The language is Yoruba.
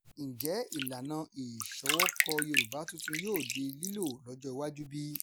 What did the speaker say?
Ǹjẹ́ ìlànà ìṣọwọ́kọ Yorùbá tuntun yóò di lílò lọ́jọ́ iwájú bí?